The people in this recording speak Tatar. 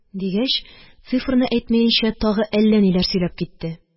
Дигәч, цифрны әйтмәенчә, тагы әллә ниләр сөйләп китте.